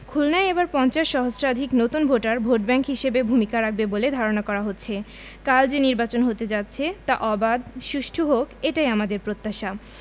খুলনায় এবার ৫০ সহস্রাধিক নতুন ভোটার ভোটব্যাংক হিসেবে ভূমিকা রাখবে বলে ধারণা করা হচ্ছে কাল যে নির্বাচন হতে যাচ্ছে তা অবাধ সুষ্ঠু হোক এটাই আমাদের প্রত্যাশা